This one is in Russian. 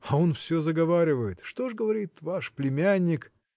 А он все заговаривает: Что ж, говорит, ваш племянник.